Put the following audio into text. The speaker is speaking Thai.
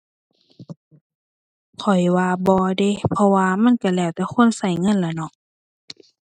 ข้อยว่าบ่เดะ เพราะว่ามันก็แล้วแต่คนก็เงินล่ะเนาะ